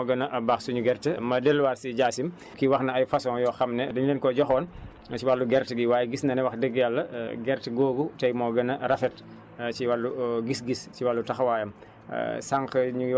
ci li nga jàpp gerte googu moo gën a baax suñu gerte ma delluwaat si Dia sy kii wax na ay façons yoo xam ne dañ leen koo joxoon si wàllu gerte gi waaye gis na ne wax dëgg yàlla gerte googu tey moo gën a rafet si wàllu gis-gis si wàllu taxawaayam